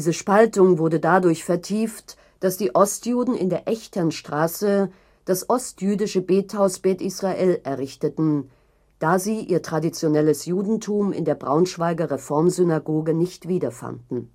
Spaltung wurde dadurch vertieft, dass die „ Ostjuden “in der Echternstraße das „ Ostjüdische Bethaus Bet-Israel “errichteten, da sie ihr traditionelles Judentum in der Braunschweiger Reformsynagoge nicht wiederfanden